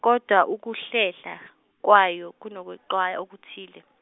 kodwa ukuhlehla, kwayo kunokuxwaya okuthile.